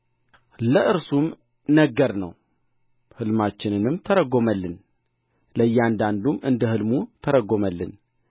ለእርሱም ነገርነው ሕልማችንንም ተረጐመልን ለእያንዳንዱም እንደ ሕልሙ ተረጐመልን